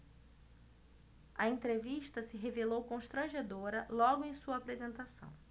a entrevista se revelou constrangedora logo em sua apresentação